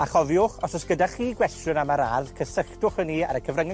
A chofiwch, os o's gyda chi gwestiwn am yr ardd, cysylltwch â ni ar y cyfrynge